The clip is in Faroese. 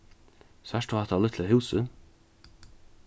sært tú hatta lítla húsið